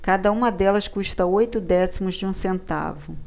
cada uma delas custa oito décimos de um centavo